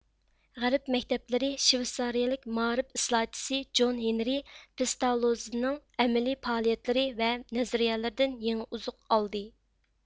غەرب مەكتەپلىرى شۋېتسارىيىلىك مائارىپ ئىسلاھاتچىسى جون ھېنرى پېستالوززىنىڭ ئەمەلىي پائالىيەتلىرى ۋە نەزەرىيىلىرىدىن يېڭى ئوزۇق ئالدى